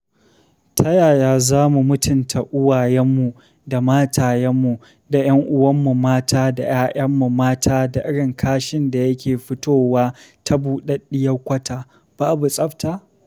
Ta yaya za mu mutunta uwayenmu da matayenmu da 'yan uwanmu mata da 'ya'yanmu mata da irin kashin da yake fitowa ta buɗaɗɗiyar kwata - babu tsafta?